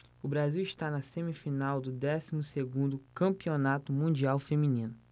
o brasil está na semifinal do décimo segundo campeonato mundial feminino